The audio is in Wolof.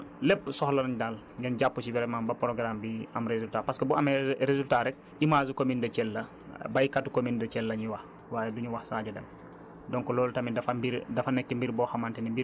su dee ay xelal lépp daal yombal lépp soxla nañ daal ngeen jàpp si vraiment ba programme bi am résultat parce que bu amee résultat rekk image su commune de Thiel la baykatu commune de Thiel la ñuy wax waaye du ñu wax Sadio Deme